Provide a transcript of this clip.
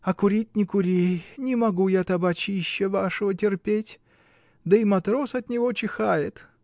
а курить -- не кури: не могу я табачища вашего терпеть, да и Матрос от него чихает.